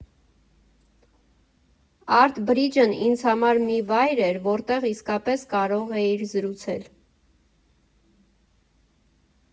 Արտ Բրիջն ինձ համար մի վայր էր, որտեղ իսկապես կարող էիր զրուցել։